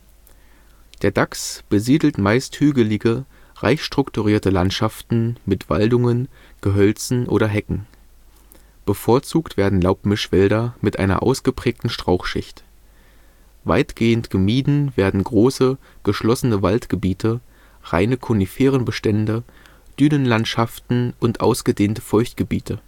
Dachs besiedelt meist hügelige, reich strukturierte Landschaften mit Waldungen, Gehölzen oder Hecken. Bevorzugt werden Laubmischwälder mit einer ausgeprägten Strauchschicht. Weitgehend gemieden werden große, geschlossene Waldgebiete, reine Koniferenbestände, Dünenlandschaften und ausgedehnte Feuchtgebiete